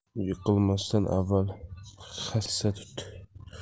yiqilmasdan avval hassa tut